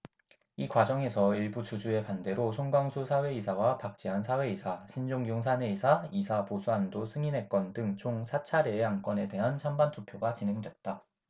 이 과정에서 일부 주주의 반대로 송광수 사외이사와 박재완 사외이사 신종균 사내이사 이사 보수한도 승인의 건 등 총 사 차례의 안건에 대한 찬반 투표가 진행됐다